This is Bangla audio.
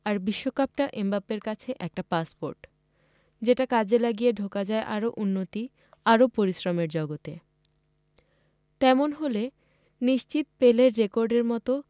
আর বিশ্বকাপটা এমবাপ্পের কাছে একটা পাসপোর্ট যেটি কাজে লাগিয়ে ঢোকা যায় আরও উন্নতি আর আরও পরিশ্রমের জগতে তেমন হলে নিশ্চিত পেলের রেকর্ডের মতো